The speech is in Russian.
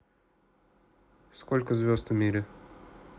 сколько звезд в мире